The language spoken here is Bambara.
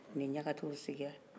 u ni ɲakatew sigira